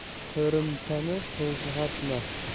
qo'rimtani qo'zg'atma